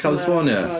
California.